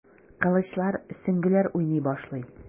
Кылычлар, сөңгеләр уйный башлый.